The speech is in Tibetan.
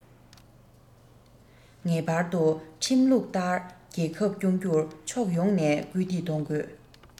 ངེས པར དུ ཁྲིམས ལུགས ལྟར རྒྱལ ཁབ སྐྱོང རྒྱུར ཕྱོགས ཡོངས ནས སྐུལ འདེད གཏོང དགོས